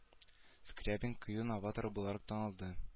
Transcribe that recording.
Скрябин кыю новатор буларак танылды